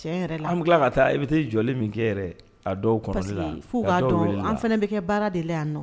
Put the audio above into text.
Tiyɛn yɛrɛ la An bɛ kila ka taa i bɛ taa i b'i t'i jɔ kɛ a dɔw kɔnɔli la an fana bɛ kɛ baara de la yan